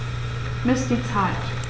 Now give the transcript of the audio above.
Miss die Zeit.